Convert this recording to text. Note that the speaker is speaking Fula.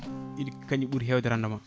iɗi kanƴi ɓuuri hewde rendement